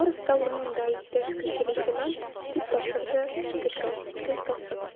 Барысы да урынында, иптәш кече лейтенант, - дип тапшырды Петро, төз басып.